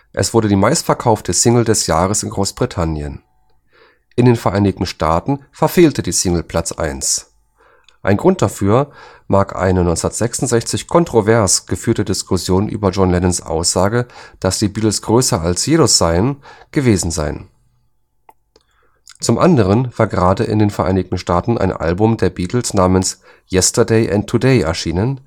Es wurde die meistverkaufte Single des Jahres in Großbritannien. In den Vereinigten Staaten verfehlte die Single Platz Eins – ein Grund dafür mag eine 1966 kontrovers geführte Diskussion über John Lennons Aussage, dass die Beatles größer als Jesus seien, gewesen sein. Zum Anderen war gerade in den Vereinigten Staaten ein Album der Beatles namens „ Yesterday and Today “erschienen